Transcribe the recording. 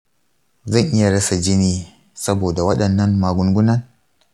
zan iya rasa jina saboda waɗannan magungunan?